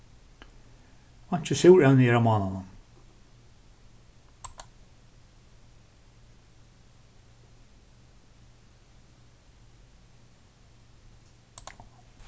einki súrevni er á mánanum